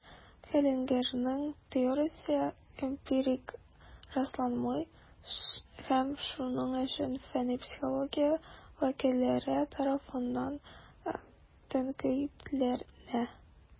Хеллингерның теориясе эмпирик расланмый, һәм шуның өчен фәнни психология вәкилләре тарафыннан тәнкыйтьләнә.